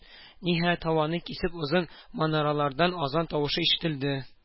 Ниһаять, һаваны кисеп озын манаралардан азан тавышы ишетелде.